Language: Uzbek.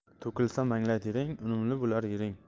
to'kilsa manglay tering unumli bo'lar yering